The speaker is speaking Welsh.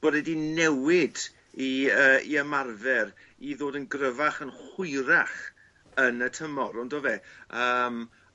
bod e 'di newid 'i yy 'i ymarfer i ddod yn gryfach yn hwyrach yn y tymor on'd do fe?